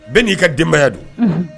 Bɛɛ n'i ka denbaya don